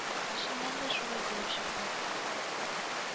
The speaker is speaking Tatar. Чыннан да шулай булып чыкты